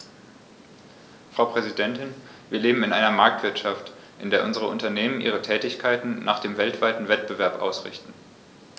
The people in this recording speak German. Frau Präsidentin, wir leben in einer Marktwirtschaft, in der unsere Unternehmen ihre Tätigkeiten nach dem weltweiten Wettbewerb ausrichten.